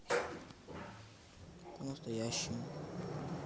по настоящему